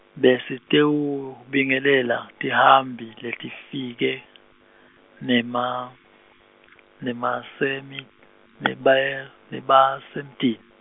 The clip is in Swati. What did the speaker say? Besitewubingelela, tihambi, letifike, nema- nemasemi-, nebaya- nebasemtini.